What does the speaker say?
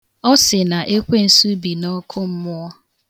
Ọ sị na Ekwensu bị n'ọkụmmụọ.